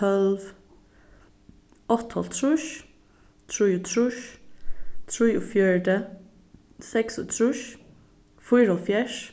tólv áttaoghálvtrýss trýogtrýss trýogfjøruti seksogtrýss fýraoghálvfjerðs